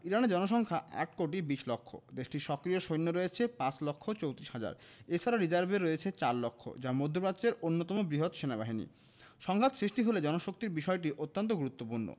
ইরানের জনসংখ্যা ৮ কোটি ২০ লাখ দেশটির সক্রিয় সৈন্য রয়েছে ৫ লাখ ৩৪ হাজার এ ছাড়া রিজার্ভে রয়েছে ৪ লাখ যা মধ্যপ্রাচ্যের অন্যতম বৃহৎ সেনাবাহিনী সংঘাত সৃষ্টি হলে জনশক্তির বিষয়টি অন্তত গুরুত্বপূর্ণ